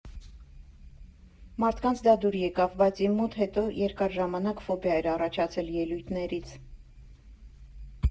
Մարդկանց դա դուր եկավ, բայց իմ մոտ հետո երկար ժամանակ ֆոբիա էր առաջացել ելույթներից։